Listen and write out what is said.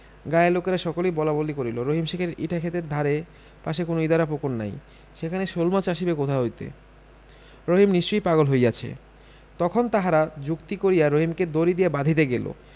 গায়ের লোকেরা সকলেই বলাবলি করিল রহিম শেখের ইটাক্ষেতের ধারে পাশে কোনো ইদারা পুকুর নাই সেখানে শোলমাছ আসিবে কোথা হইতে রহিম নিশ্চয়ই পাগল হইয়াছে তখন তাহারা যুক্তি করিয়া রহিমকে দড়ি দিয়া বাধিতে গেল